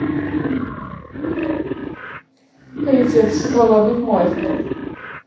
рецепт шоколадных маффинов